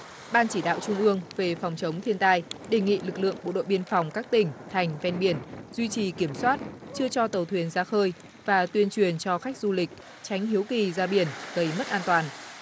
ban chỉ đạo trung ương về phòng chống thiên tai đề nghị lực lượng bộ đội biên phòng các tỉnh thành ven biển duy trì kiểm soát chưa cho tàu thuyền ra khơi và tuyên truyền cho khách du lịch tránh hiếu kỳ ra biển gây mất an toàn